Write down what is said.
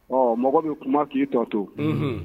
Ɔ mɔgɔ bɛ kuma k'i tɔ to